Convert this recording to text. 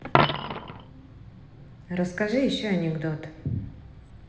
расскажи еще анекдот